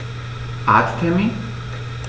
Arzttermin